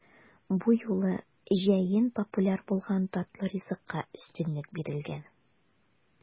Бу юлы җәен популяр булган татлы ризыкка өстенлек бирелгән.